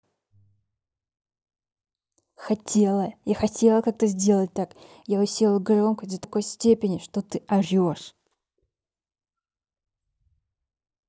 хотела я хотела как то сделать так я усела громкость до такой степени что ты орешь